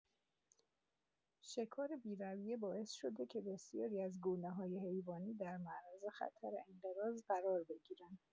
شکار بی‌رویه، باعث شده که بسیاری از گونه‌های حیوانی در معرض خطر انقراض قرار بگیرن.